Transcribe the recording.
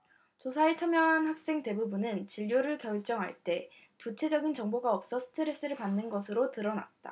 조사에 참여한 학생 대부분은 진로를 결정할 때 구체적인 정보가 없어 스트레스를 받는 것으로 드러났다